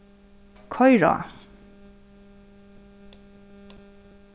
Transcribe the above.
koyr á